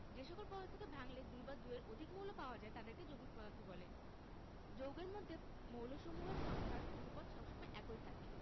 যে সকল পদার্থকে ভাঙলে দুই বা দুইয়ের অধিক মৌল পাওয়া যায় তাদেরকে যৌগিক পদার্থ বলে যৌগের মধ্যে মৌলসমূহের সংখ্যার অনুপাত সব সময় একই থাকে